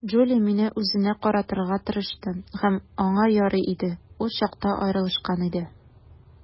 Джули мине үзенә каратырга тырышты, һәм аңа ярый иде - ул чакта аерылышкан иде.